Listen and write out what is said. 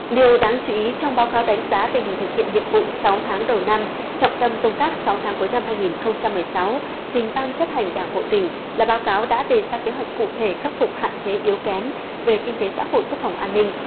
điều đáng chú ý trong báo cáo đánh giá tình hình thực hiện nhiệm vụ sáu tháng đầu năm trọng tâm công tác sáu tháng cuối năm hai nghìn không trăm mười sáu chính ban chấp hành đảng bộ tỉnh là báo cáo đã đề ra kế hoạch cụ thể khắc phục hạn chế yếu kém về kinh tế xã hội quốc phòng an ninh